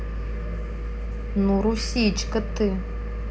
ну русичка ты